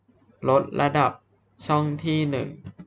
ลดระดับช่องที่หนึ่ง